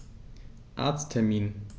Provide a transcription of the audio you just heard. Arzttermin